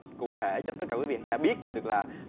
cụ thể cho tất cả quý vị khán giả biết được là